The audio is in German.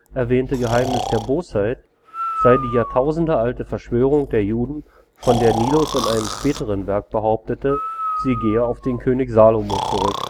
erwähnte „ Geheimnis der Bosheit “sei die jahrtausendealte Verschwörung der Juden, von der Nilus in einem späteren Werk behauptete, sie gehe auf den König Salomo zurück